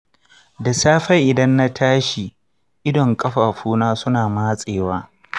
da safe idan na tashi, idon ƙafafuna suna matsewa